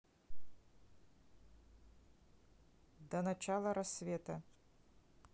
до начала рассвета